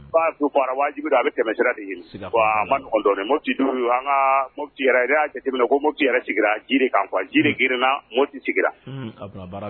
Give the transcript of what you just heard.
Wajibi a bɛ tɛmɛsira de an' jate korinna